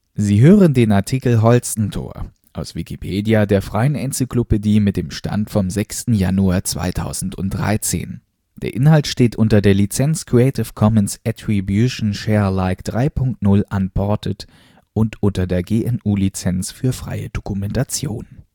Sie hören den Artikel Holstentor, aus Wikipedia, der freien Enzyklopädie. Mit dem Stand vom Der Inhalt steht unter der Lizenz Creative Commons Attribution Share Alike 3 Punkt 0 Unported und unter der GNU Lizenz für freie Dokumentation